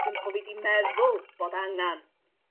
dwi'm 'bo' bo' fi 'di meddwl bod angan